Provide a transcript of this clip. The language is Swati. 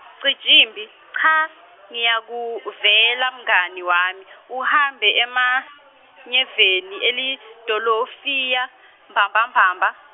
Cijimphi, cha, ngiyakuvela mngani wami, uhambe emanyeveni elidolofiya mbamba mbamba.